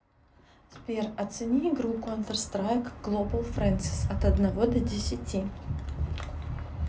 сбер оцени игру counter strike global френсис от одного до десяти